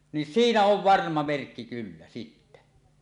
niin siinä on varma merkki kyllä sitten